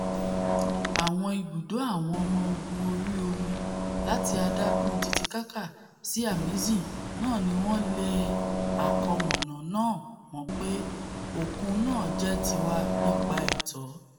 Àwọn ibùdó àwọn ọmọ ogun orí-omi láti adágún Titicaca sí Amazon náà ni wọ́n lẹ àkọmọ̀nà náà mọ́pé: ''Òkun náà jẹ́ tiwa nípa ẹ̀tọ́.